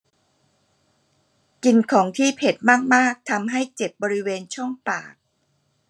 กินของที่เผ็ดมากมากทำให้เจ็บบริเวณช่องปาก